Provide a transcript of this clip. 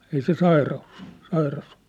ei se sairaus ollut sairas ollut